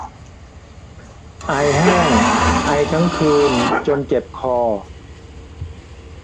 ไอแห้งไอทั้งคืนจนเจ็บคอ